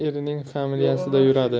erining familiyasida yuradi